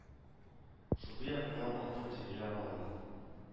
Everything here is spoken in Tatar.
Шундый якыннан атып тидерә алмадың